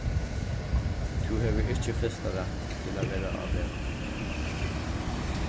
tú hevur ikki fyrsta rætt til at vera á vegnum